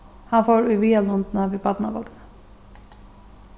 hann fór í viðarlundina við barnavogni